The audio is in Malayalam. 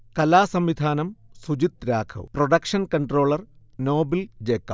കലാസംവിധാനം Sujith Raghav, production controller Noble Jacob